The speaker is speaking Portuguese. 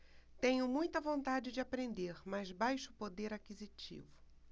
tenho muita vontade de aprender mas baixo poder aquisitivo